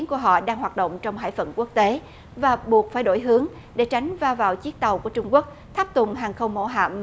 của họ đang hoạt động trong hải phận quốc tế và buộc phải đổi hướng để tránh va vào chiếc tàu của trung quốc tháp tùng hàng không mẫu hạm